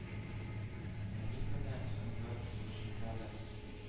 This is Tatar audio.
Ә мин менә соңгы сулышымда да